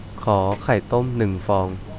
ขอไข่ต้มหนึ่งฟอง